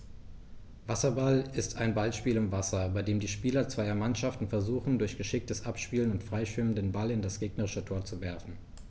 Wasserball ist ein Ballspiel im Wasser, bei dem die Spieler zweier Mannschaften versuchen, durch geschicktes Abspielen und Freischwimmen den Ball in das gegnerische Tor zu werfen.